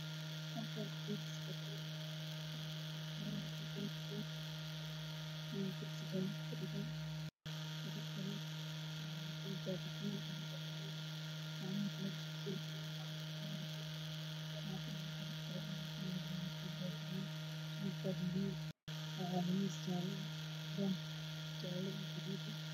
Meeshaan oo maalin joogaan gabdho farabadan gabar ayaa gacanta loola xirayaa faashad